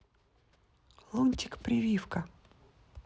лунтик прививка